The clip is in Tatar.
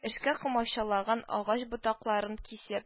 Эшкә комаучалаган агач ботакларын кисеп